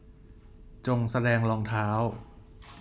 จงแสดงรองเท้า